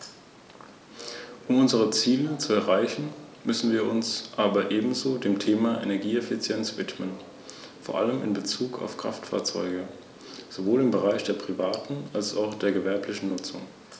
In dieser Phase müssen wir uns darauf konzentrieren, wie mit diesem Prozess die Regionalpolitik der Union gelenkt werden kann, und zwar im Hinblick auf die Zielsetzung, die regionalen Unterschiede abzubauen.